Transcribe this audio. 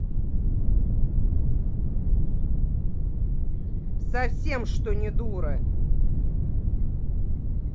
совсем что не дура